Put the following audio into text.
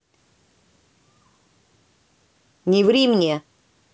не ври мне